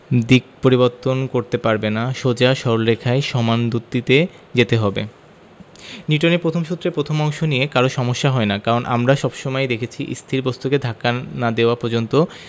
দিক পরিবর্তন করতে পারবে না সোজা সরল রেখায় সমান দ্রুতিতে যেতে হবে নিউটনের প্রথম সূত্রের প্রথম অংশ নিয়ে কারো সমস্যা হয় না কারণ আমরা সব সময়ই দেখেছি স্থির বস্তুকে ধাক্কা না দেওয়া পর্যন্ত